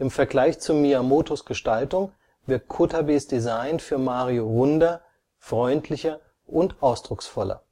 Vergleich zu Miyamotos Gestaltung wirkt Kotabes Design für Mario runder, freundlicher und ausdrucksvoller